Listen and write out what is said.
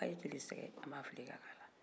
hali kelen sɛgɛ a m'a fili ka k'a la